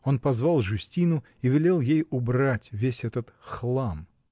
он позвал Жюстину и велел ей убрать весь этот "хлам".